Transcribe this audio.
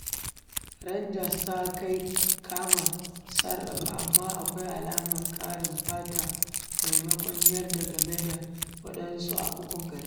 Rangers ta dai kama sarrafa amma akwai alamar ƙarin fata maimakon yarda game da wasansu a ukun ƙarshe.